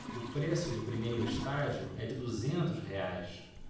o preço do primeiro estágio é de duzentos reais